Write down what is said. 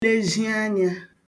lezhi anya